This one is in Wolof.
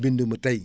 bind ma tey